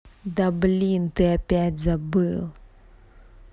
да блин ты опять забыл